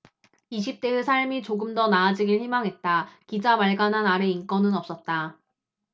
이십 대의 삶이 조금 더 나아지길 희망했다 기자 말가난 아래 인권은 없었다